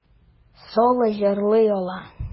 Соло җырлый ала.